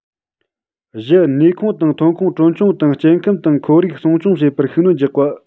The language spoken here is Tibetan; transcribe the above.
བཞི ནུས ཁུངས དང ཐོན ཁུངས གྲོན ཆུང དང སྐྱེ ཁམས དང ཁོར ཡུག སྲུང སྐྱོང བྱེད པར ཤུགས སྣོན རྒྱག པ